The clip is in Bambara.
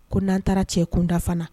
Ko n'an taara cɛkunda fana